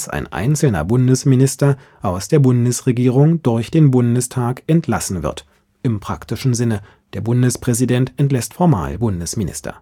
ein einzelner Bundesminister aus der Bundesregierung durch den Bundestag entlassen wird (im praktischen Sinne – der Bundespräsident entlässt formal Bundesminister